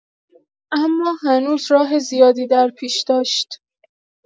اما هنوز راه زیادی در پیش داشت.